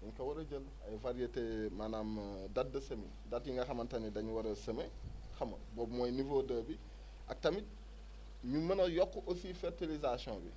dañ ko war a jënd ay variétés maanaam date de semis dates yi nga xamante ni dañu war a semer xam nga boobu mooy niveau deux bi ak tamit ñu mën a yokk aussi fertilisation bi